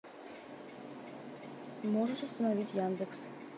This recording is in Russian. можешь установить яндекс